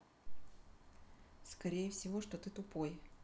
скорее всего что ты тупой